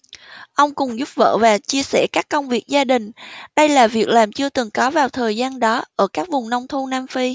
ông cùng giúp vợ và chia sẻ các công việc gia đình đây là việc làm chưa từng có vào thời gian đó ở các vùng nông thôn nam phi